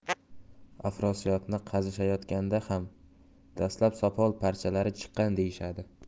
afrosiyobni qazishayotganda ham dastlab sopol parchalari chiqqan deyishadi